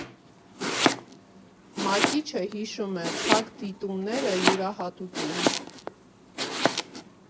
Մակիչը հիշում է՝ փակ դիտումները յուրահատուկ էին։